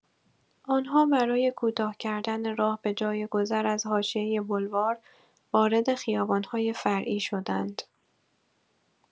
آن‌ها برای کوتاه‌کردن راه به‌جای گذر از حاشیه بلوار وارد خیابان‌های فرعی شدند.